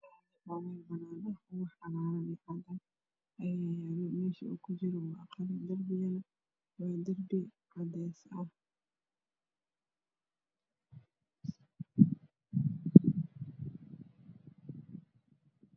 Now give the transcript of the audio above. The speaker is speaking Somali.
Waa meel banaan darbiga uu ku jiro waa waa darbi cadays ah